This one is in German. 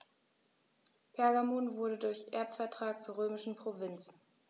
Pergamon wurde durch Erbvertrag zur römischen Provinz.